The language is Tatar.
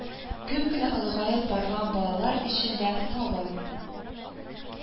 Күп кенә олыгаеп барган “балалар” өчен дә “савым